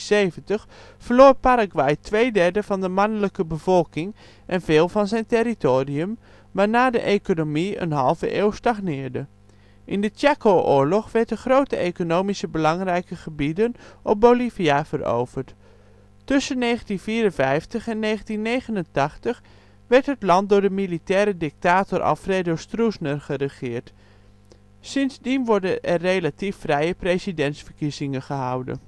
1865-1870) verloor Paraguay twee derde van de mannelijke bevolking en veel van zijn territorium, waarna de economie een halve eeuw stagneerde. In de Chaco-oorlog werden grote economisch belangrijke gebieden op Bolivia veroverd. Tussen 1954 - 1989 werd het land door de militaire dictator Alfredo Stroessner geregeerd. Sindsdien worden er relatief vrije presidentsverkiezingen gehouden